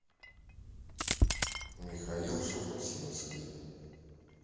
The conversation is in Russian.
михаил шафутинский